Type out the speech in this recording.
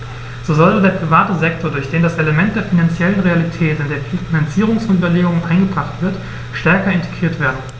So sollte der private Sektor, durch den das Element der finanziellen Realität in die Finanzierungsüberlegungen eingebracht wird, stärker integriert werden.